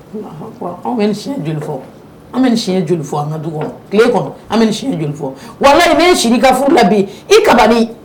An bɛ si joli an ka du kɔnɔ tile an bɛ wala sigi ka furu la bi i